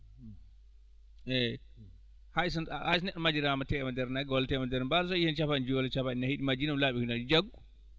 eyi hay so hay so neɗɗo majjiraama teemedere nagge walla teemedere mbaalu hay so a a yiyii heen cappanɗe joyi walla cappanɗe nayi majji noon ko laabi nayi jaggu